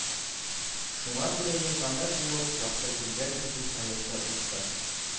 Шуңа күрә елганы буып, Якты күлгә кертү проекты узды